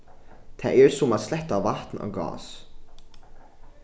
tað er sum at sletta vatn á gás